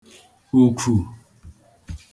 ùfù